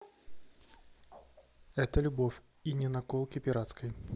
это любовь и не наколки пиратской